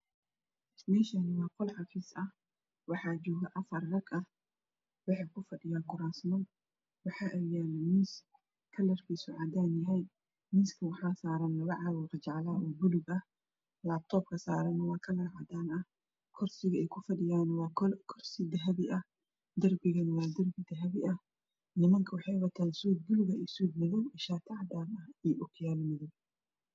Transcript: Meeshaani waa qol xafiis ah waxaan joogo afar rag ah waxayna ku fadhiyaan kuraasmo waxaa agyaalo miis kararkiisu cadaan yahay miiska waxaana saaran labo caag qajaclo ah oo buluug ah laabtooga saarana waa karrar cadaan ah kursiga wey ku fadhiyaana waa kursi dahabi ah derbigana waa derbi ah nimanku waxay wataan suug buluug ah iyo suug madow ah iyo oo kiyaalo madow ah